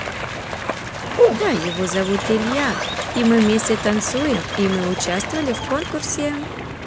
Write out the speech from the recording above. да его зовут илья и мы вместе танцуем и мы участвовали в конкурсе